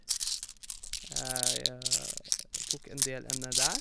Jeg tok en del emner der.